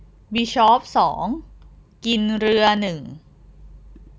บิชอปสองกินเรือหนึ่ง